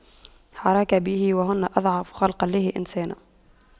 حراك به وهن أضعف خلق الله إنسانا